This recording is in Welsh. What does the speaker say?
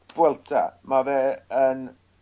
Vuelta, ma' fe yn